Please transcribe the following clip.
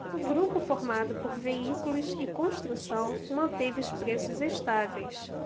o grupo formado por veículos e construção manteve os preços estáveis